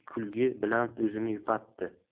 kulgi bilan o'zini yupatdi